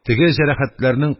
Теге, җәрәхәтләрнең